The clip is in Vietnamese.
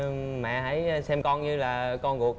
mẹ hãy xem con như là con ruột